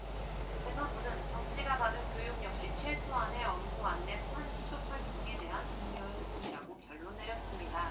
재판부는 정씨가 받은 교육 역시 최소한의 업무 안내 판촉활동에 대한 독려일 뿐이라고 결론 내렸습니다